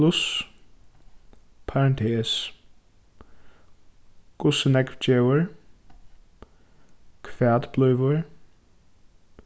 pluss parantes hvussu nógv gevur hvat blívur